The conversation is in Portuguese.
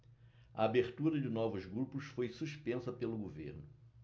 a abertura de novos grupos foi suspensa pelo governo